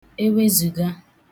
ewezùga